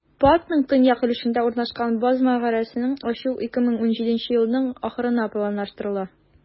Паркның төньяк өлешендә урнашкан "Боз мәгарәсен" ачу 2017 елның ахырына планлаштырыла.